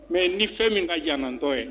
Mɛ ni fɛn min ka jamanatɔ ye